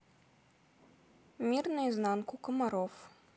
мир наизнанку комаров